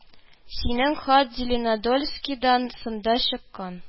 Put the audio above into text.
Синең хат Зеленодольскидан сында чыккан,